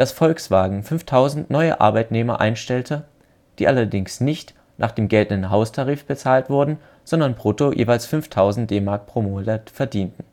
Volkswagen 5000 neue Arbeitnehmer einstellte, die allerdings nicht nach dem geltenden Haustarifvertrag bezahlt wurden, sondern brutto jeweils 5000 DM pro Monat verdienten